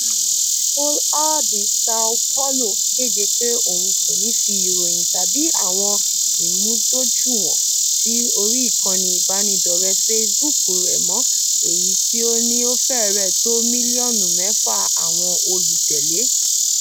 Folha de Sao Paulo kéde pé òun kò ní fi ìròyìn tàbí àwọn ìmúdójúìwọ̀n sí orí ìkànnì ìbánidọ́rẹ̀ẹ́ Facebook rẹ mọ́, èyí tí ó ní ó fẹ́rẹ̀ tó mílíọ̀nù mẹ́fà àwọn olùtẹ̀lé.